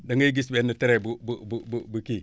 da ngay gis benn trait bu bu bu bu bu kii